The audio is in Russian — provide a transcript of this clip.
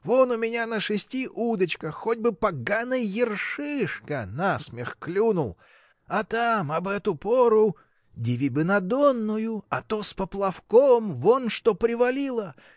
– вон у меня на шести удочках хоть бы поганый ершишка на смех клюнул а там об эту пору – диви бы на донную – а то с поплавком вот что привалило